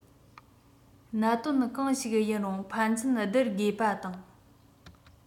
གནད དོན གང ཞིག ཡིན རུང ཕན ཚུན སྡུར དགོས པ དང